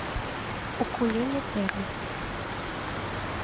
укулеле террис